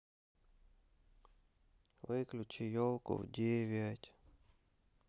выключи елку в девять